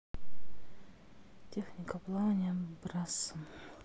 техника плавания брассом